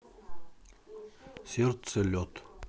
сердце лед